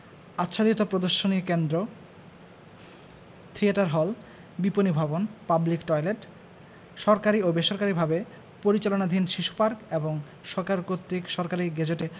আচ্ছাদিত প্রদর্শনী কেন্দ্র থিয়েটার হল বিপণী ভবন পাবলিক টয়েলেট সরকারী ও বেসরকারিভাবে পরিচালনাধীন শিশু পার্ক এবং সরকার কর্তৃক সরকারী গেজেটে